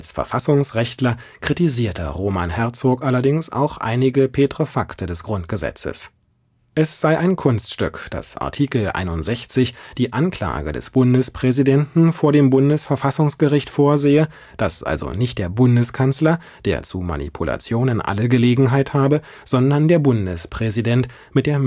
Verfassungsrechtler kritisierte Roman Herzog allerdings auch einige „ Petrefakte “des Grundgesetzes. Es sei ein „ Kunststück “, dass Artikel 61 die Anklage des Bundespräsidenten vor dem Bundesverfassungsgericht vorsehe, dass also nicht der Bundeskanzler, der zu Manipulationen alle Gelegenheit habe, sondern der Bundespräsident mit der